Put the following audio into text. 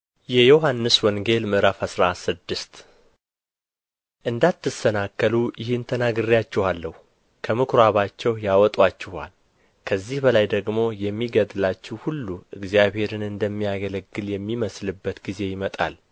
የዮሐንስ ወንጌል ምዕራፍ አስራ ስድስት እንዳትሰናከሉ ይህን ተናግሬአችኋለሁ ከምኵራባቸው ያወጡአችኋል ከዚህ በላይ ደግሞ የሚገድላችሁ ሁሉ እግዚአብሔርን እንደሚያገለግል የሚመስልበት ጊዜ ይመጣል